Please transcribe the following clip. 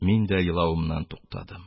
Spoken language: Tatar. Мин дә елавымнан туктадым.